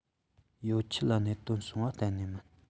ཡོད ཆད ལ གནད དོན བྱུང བ གཏན ནས མིན